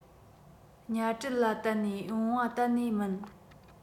ཉ གྲུ ལ གཏད ནས འོང བ གཏན ནས མིན